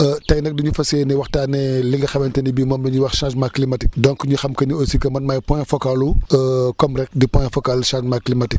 tey nag li ñuy fas yéenee waxtaanee li nga xamante ne bii moom la ñuy wax changement climatique donc ñu xam que ni aussi que man maay point focal lu comme rek di point focal changement climatique